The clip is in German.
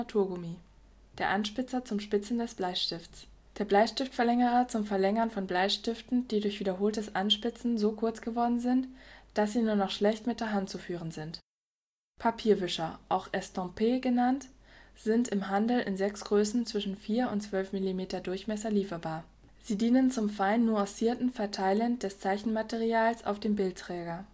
Naturgummi. Der Anspitzer zum Spitzen des Bleistifts Der Bleistiftverlängerer zum Verlängern von Bleistiften, die durch wiederholtes Anspitzen so kurz geworden sind, dass sie nur noch schlecht mit der Hand zu führen sind. Papierwischer, auch Estompes genannt, sind im Handel in sechs Größen zwischen vier und zwölf Millimeter Durchmesser lieferbar. Sie dienen zum fein nuancierten Verteilen des Zeichenmaterials auf dem Bildträger